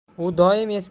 u doim eski